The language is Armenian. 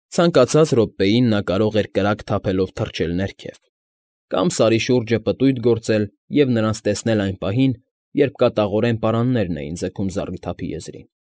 Ցանկացած րոպեին նա կարող էր կրակ թափելով թռչել ներքև կամ Սարի շուրջը պտույտ գործել և նրանց տեսնել այն պահին, երբ կատաղորեն պարաններն էին ձգում զառիթափի եզրին։